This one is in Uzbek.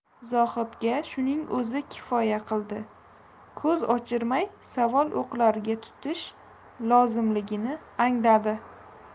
zohidga shuning o'zi kifoya qildi ko'z ochirmay savol o'qlariga tutish lozimligini angladi